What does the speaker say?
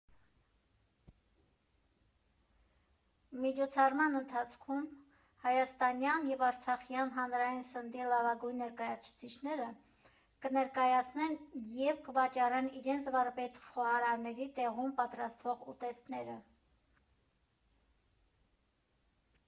Միջոցառման ընթացքում հայաստանյան և արցախյան հանրային սննդի լավագույն ներկայացուցիչները կներկայացնեն և կվաճառեն իրենց վարպետ֊խոհարարների՝ տեղում պատրաստվող ուտեստները։